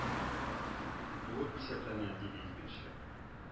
Булып исәпләнә, диде икенче